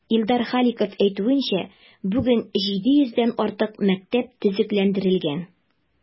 Илдар Халиков әйтүенчә, бүген 700 дән артык мәктәп төзекләндерелгән.